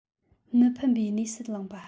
མི ཕམ པའི གནས སུ ལངས པ